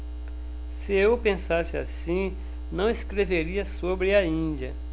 se eu pensasse assim não escreveria sobre a índia